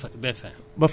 ba mu fin ba fin